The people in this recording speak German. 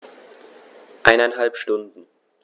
Eineinhalb Stunden